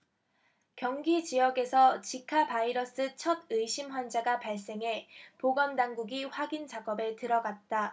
경기지역에서 지카바이러스 첫 의심환자가 발생해 보건당국이 확인 작업에 들어갔다